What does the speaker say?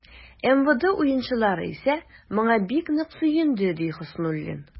МВД уенчылары исә, моңа бик нык сөенде, ди Хөснуллин.